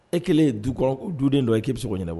E kɛlen ye du duden don ye k'i se sɔn ɲɛna wa